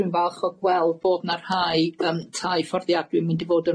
dwi'n falch o gweld bod na rhai yym tai fforddiadwy mynd i fod